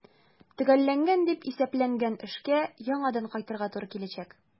Төгәлләнгән дип исәпләнгән эшкә яңадан кайтырга туры киләчәк.